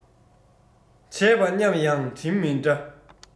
བྱས པ མཉམ ཡང དྲིན མི འདྲ